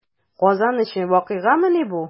Казан өчен вакыйгамыни бу?